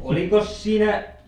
olikos siinä